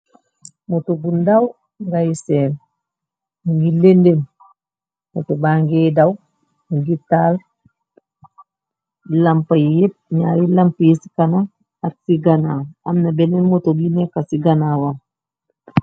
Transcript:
Moto bu ndaw ngè senn, mungi lèdèp. Moto ba ngè daw mungi taal lampu yi. Naari lampu yi ci kanam ak ci ganaaw. Amna benen moto yu nekka ci ganaaw.